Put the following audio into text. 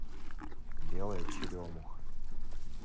белая черемуха